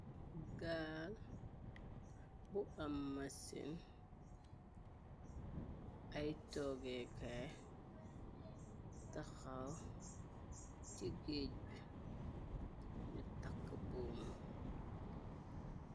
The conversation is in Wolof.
Gaal bu am masin, ay togekaay, taxaw ci géej bi, nju takue buum.